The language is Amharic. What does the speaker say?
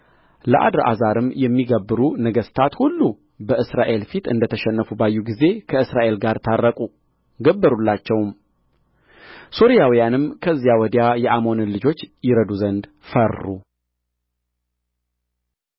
ለአድርአዛርም የሚገብሩ ነገሥታት ሁሉ በእስራኤል ፊት እንደ ተሸነፉ ባዩ ጊዜ ከእስራኤል ጋር ታረቁ ገበሩላቸውም ሶርያውያንም ከዚያ ወዲያ የአሞንን ልጆች ይረዱ ዘንድ ፈሩ